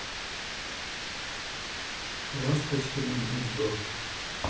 ласточкино гнездо